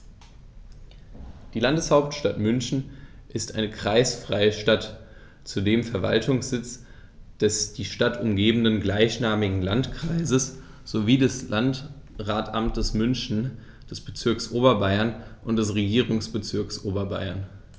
Die Landeshauptstadt München ist eine kreisfreie Stadt, zudem Verwaltungssitz des die Stadt umgebenden gleichnamigen Landkreises sowie des Landratsamtes München, des Bezirks Oberbayern und des Regierungsbezirks Oberbayern.